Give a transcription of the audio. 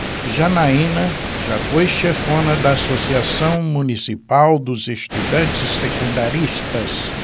janaina foi chefona da ames associação municipal dos estudantes secundaristas